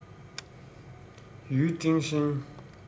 ཡུས ཀྲེང ཧྲེང